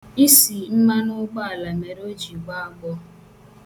Isi mmanụ ụgbaala mere o ji gbọọ agbọ.